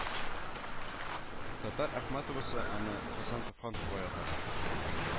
Татар Ахматовасы аны Хәсән Туфан шулай атаган